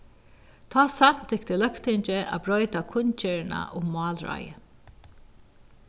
tá samtykti løgtingið at broyta kunngerðina um málráðið